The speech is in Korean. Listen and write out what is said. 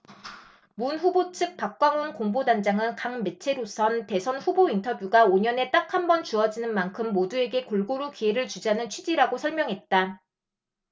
문 후보 측 박광온 공보단장은 각 매체로선 대선 후보 인터뷰가 오 년에 딱 한 번 주어지는 만큼 모두에게 골고루 기회를 주자는 취지라고 설명했다